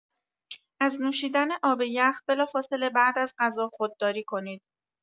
از نوشیدن آب یخ بلافاصله بعد از غذا خودداری کنید.